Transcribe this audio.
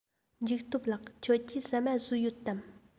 འཇིགས སྟོབས ལགས ཁྱོད ཀྱིས ཟ མ ཟོས ཡོད དམ